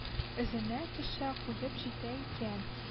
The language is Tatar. Эзенә төшә, куеып җитә икән